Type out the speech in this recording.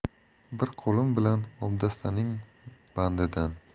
bir qo'lim bilan obdastaning bandidan